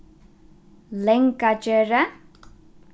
langagerði